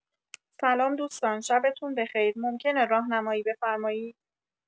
سلام دوستان شبتون بخیر، ممکنه راهنمایی بفرمایید